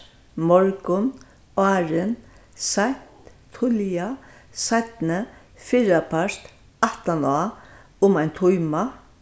morgun áðrenn seint tíðliga seinni fyrrapart aftaná um ein tíma